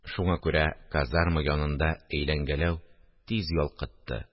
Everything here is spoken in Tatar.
Шуңа күрә казарма янында әйләнгәләү тиз ялкытты